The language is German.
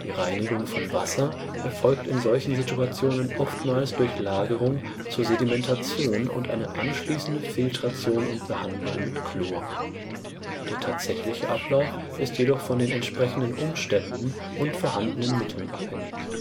Reinigung von Wasser erfolgt in solchen Situationen oftmals durch Lagerung zur Sedimentation und eine anschließende Filtration und Behandlung mit Chlor. Der tatsächliche Ablauf ist jedoch von den entsprechenden Umständen und vorhandenen Mitteln abgängig